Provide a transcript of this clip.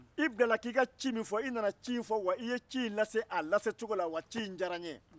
i bilala k'i ka ci min fɔ i nana ci in fɔ wa i ye ci in lase a lasecogo la wa ci in diyara n ye